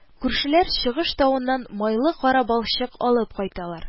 Күршеләр Чыгыш тавыннан майлы кара балчык алып кайталар